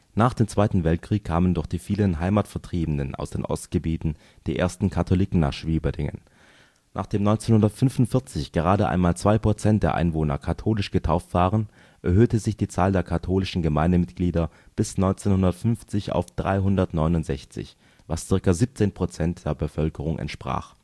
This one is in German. Nach dem Zweiten Weltkrieg kamen durch die vielen Heimatvertriebenen aus den Ostgebieten die ersten Katholiken nach Schwieberdingen. Nachdem 1945 gerade einmal 2 % der Einwohner katholisch getauft waren, erhöhte sich die Zahl der katholischen Gemeindemitglieder bis 1950 auf 369, was ca. 17 % der Bevölkerung entsprach